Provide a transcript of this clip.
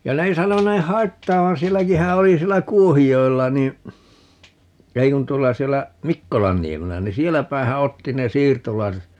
ja ne ei sanoneet haittaavan sielläkinhän oli siellä Kuohijoella niin ei kun tuolla siellä Mikkolanniemellä niin sielläpäinhän otti ne siirtolaiset